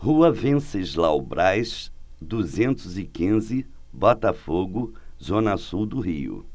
rua venceslau braz duzentos e quinze botafogo zona sul do rio